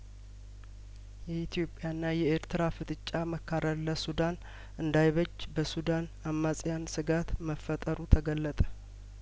የኢትዮጵያ ና የኤርትራ ፍጥጫ መካረር ለሱዳን እንዳይበጅ በሱዳን አማጺያን ስጋት መፈጠሩ ተገለጠ